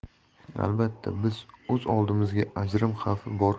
albatta biz o'z oldimizga ajrim